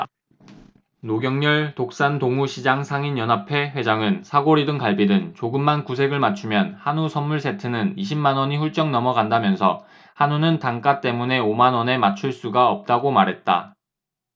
노경열 독산동우시장상인연합회 회장은 사골이든 갈비든 조금만 구색을 맞추면 한우 선물세트는 이십 만 원이 훌쩍 넘어간다면서 한우는 단가 때문에 오 만 원에 맞출 수가 없다고 말했다